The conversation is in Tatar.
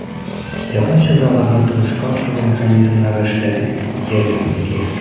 Якын чорда аларны тормышка ашыру механизмнары эшләнер, дияргә кирәк.